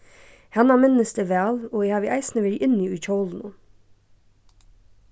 hana minnist eg væl og eg havi eisini verið inni í hjólinum